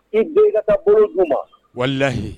I den ka ka baro' ma walayi